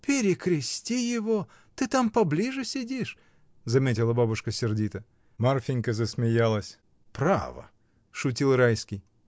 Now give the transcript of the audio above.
перекрести его: ты там поближе сидишь, — заметила бабушка сердито. Марфинька засмеялась. — Право. — шутил Райский.